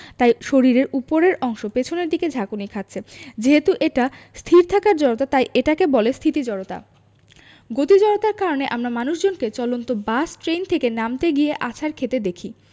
তাই শরীরের ওপরের অংশ পেছনের দিকে ঝাঁকুনি খাচ্ছে যেহেতু এটা স্থির থাকার জড়তা তাই এটাকে বলে স্থিতি জড়তা গতি জড়তার কারণে আমরা মানুষজনকে চলন্ত বাস ট্রেন থেকে নামতে গিয়ে আছাড় খেতে দেখি